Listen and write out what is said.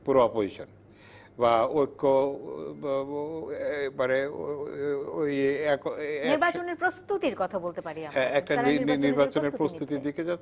পুরা অপোজিশন বা ঐক্য মানে নির্বাচনের প্রস্তুতির কথা বলতে পারি আমরা একটা নির্বাচনের প্রস্তুতির দিকে যাচ্ছে